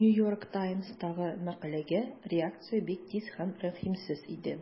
New York Times'тагы мәкаләгә реакция бик тиз һәм рәхимсез иде.